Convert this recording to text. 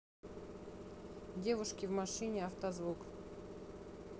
девушки в машине автозвук